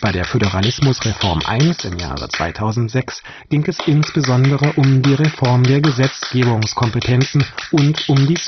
der Föderalismusreform I (2006) ging es insbesondere um die Reform der Gesetzgebungskompetenzen und um die Zustimmungsbedürftigkeit